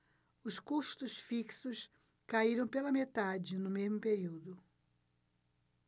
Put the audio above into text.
os custos fixos caíram pela metade no mesmo período